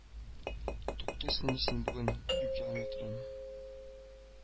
Туктыйсыңмы син бүген, юкилометры